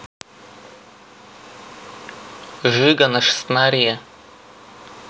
жига на шестнаре